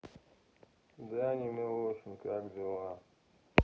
даня милохин как дела